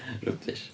Rybish.